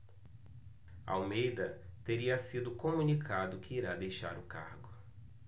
almeida teria sido comunicado que irá deixar o cargo